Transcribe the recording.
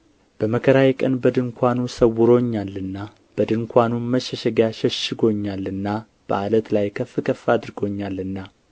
በመከራዬ ቀን በድንኳኑ ሰውሮኛልና በድንኳኑም መሸሸጊያ ሸሽጎኛልና በዓለት ላይ ከፍ ከፍ አድርጎኛልና